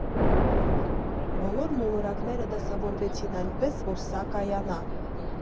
Բոլոր մոլորակները դասավորվեցին այնպես, որ սա կայանա»։